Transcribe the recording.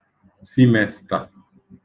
simestà